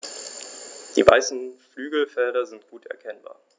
Die weißen Flügelfelder sind gut erkennbar.